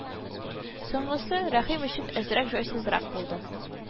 Соңгысы Рәхим өчен әзрәк җайсызрак булды